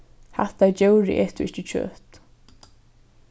hatta djórið etur ikki kjøt